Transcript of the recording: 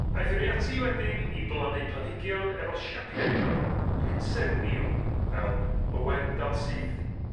Aethwn ni ati wedyn i blannu planhigion efo siapia' diddorol pensaerniol fel ywen dalsyth